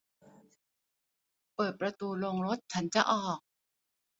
เปิดประตูโรงรถฉันจะออก